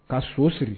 Ka so siri